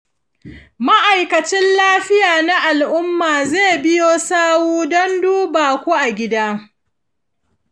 ma'aikacin lafiya na al'umma zai biyo sahu don duba ku a gida.